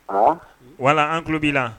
Wala an tulo b'i la